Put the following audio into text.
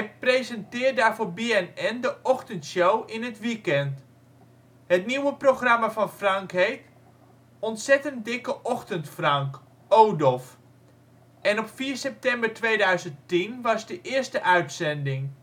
presenteert daar voor BNN de ochtendshow in het weekend. Het nieuwe programma van Frank heet Ontzettend Dikke Ochtend Frank (ODOF), en op 4 september 2010 was de eerste uitzending